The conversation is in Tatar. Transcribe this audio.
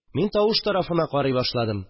Мин тавыш тарафына карый башладым